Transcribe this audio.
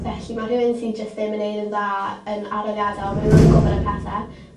Felly ma' rhywun sy jyst ddim yn neud yn dda yn aroliade on' ma' n'w yn gwbod y pethe